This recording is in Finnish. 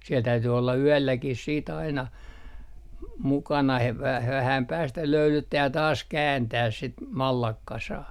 siellä täytyi olla yölläkin sitten aina - mukana -- vähän päästä löylyttää ja taas kääntää sitten mallaskasaa